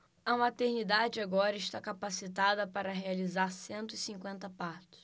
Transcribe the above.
a maternidade agora está capacitada para realizar cento e cinquenta partos